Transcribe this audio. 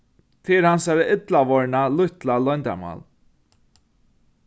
tað er hansara illavorðna lítla loyndarmál